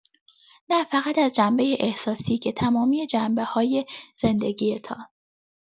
نه‌فقط از جنبه احساسی، که تمامی جنبه‌های زندگی‌تان.